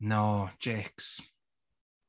No Jake's.